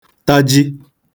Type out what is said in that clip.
taji